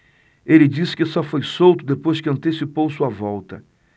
ele disse que só foi solto depois que antecipou sua volta